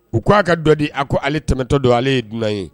U k' aa ka dɔ di a ko ale tɛmɛtɔ don ale ye dunan ye